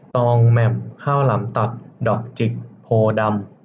ตองแหม่มข้าวหลามตัดดอกจิกโพธิ์ดำ